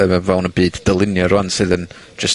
yy fel fewn y byd dylunio rŵan sydd yn jyst...